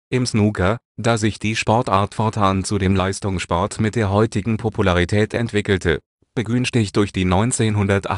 im Snooker, da sich die Sportart fortan zu dem Leistungssport mit der heutigen Popularität entwickelte. Begünstigt durch die 1978